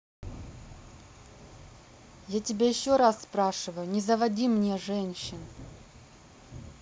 я тебя еще раз спрашиваю не заводи мне женщин